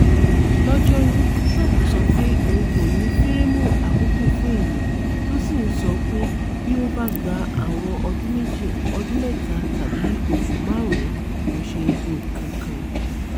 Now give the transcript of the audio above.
Orílẹ̀-èdè Ṣáínà àti Rọsia wí àwíjàre wí pe àjọ U.N. Ìgbìmọ lórí Ètò Ààbo ní láti fún Pyongyang léré àwọn ìgbésẹ̀ tóti gbé.